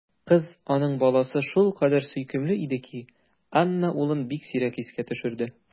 Кыз, аның баласы, шулкадәр сөйкемле иде ки, Анна улын бик сирәк искә төшерде.